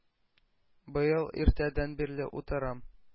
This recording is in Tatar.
Быел иртәдән бирле утырам